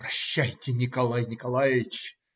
Прощайте, Николай Николаич,